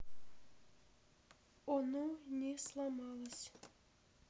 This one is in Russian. оно не сломалось